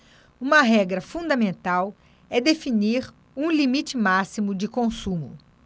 uma regra fundamental é definir um limite máximo de consumo